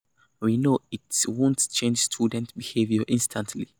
We know it won't change students' behavior instantly.